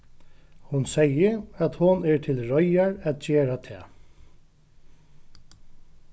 hon segði at hon er til reiðar at gera tað